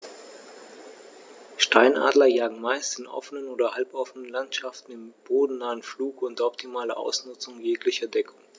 Steinadler jagen meist in offenen oder halboffenen Landschaften im bodennahen Flug unter optimaler Ausnutzung jeglicher Deckung.